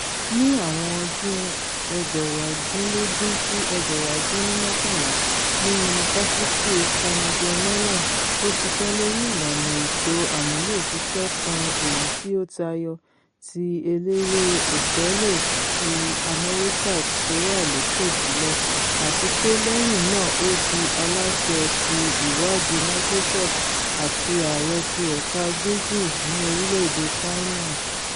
Ní àwọn ọdún 1980 sí 1989 ní Yunifásítì Carnegie Mellon ó ṣiṣẹ́ lórí ìlànà ètò àmúlòṣiṣẹ́ kan èyití ó tayọ ti elére Othelo ti Amẹ́ríkà tówà lókè jùlọ, àtipé lẹ́yìn náà ó di aláṣẹ ti Ìwáàdí Microsoft àti ààrẹ ti ẹ̀ka Google ní orílẹ̀-èdè Ṣáínà.